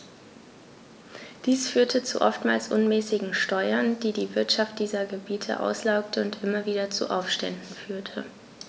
Dies führte zu oftmals unmäßigen Steuern, die die Wirtschaft dieser Gebiete auslaugte und immer wieder zu Aufständen führte.